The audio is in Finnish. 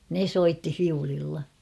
ne soitti viululla